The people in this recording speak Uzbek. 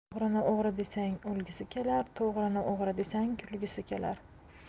o'g'rini o'g'ri desang o'lgisi kelar to'g'rini o'g'ri desang kulgisi kelar